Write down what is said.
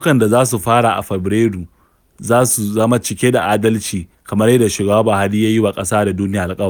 Zaɓuɓɓukan da za su fara a Fabarairu za su zama cike da adalci kamar yadda shugaba Buhari ya yi wa ƙasa da duniya alƙawari.